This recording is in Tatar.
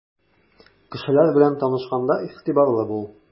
Кешеләр белән танышканда игътибарлы бул.